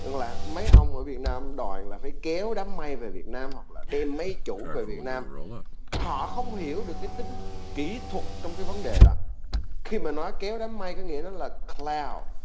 tức là mấy ông ở việt nam đòi là phải kéo đám mây về việt nam hoặc là đem máy chủ về việt nam họ không hiểu được tính kỹ thuật trong cái vấn đề khi mà nói kéo đám mây có nghĩa là cờ lao